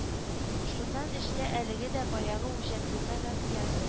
Шуннан эчтә әлеге дә баягы үҗәтлегем уянды